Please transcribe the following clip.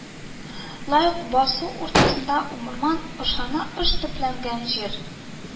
Лай ук «басу уртасындагы урман»), ышна, ыш «төпләнгән җир»